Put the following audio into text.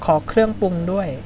ขอเครื่องปรุงด้วย